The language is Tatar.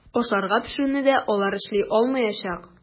Ашарга пешерүне дә алар эшли алмаячак.